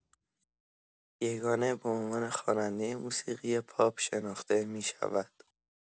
یگانه به عنوان خواننده موسیقی پاپ شناخته می‌شود.